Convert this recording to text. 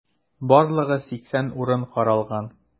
Барлыгы 80 урын каралган.